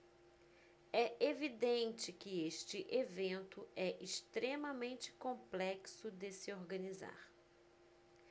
é evidente que este evento é extremamente complexo de se organizar